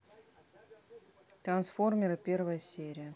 трансформеры первая серия